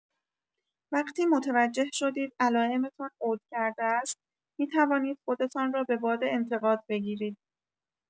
وقتی متوجه شدید علائمتان عود کرده است، می‌توانید خودتان را به باد انتقاد بگیرید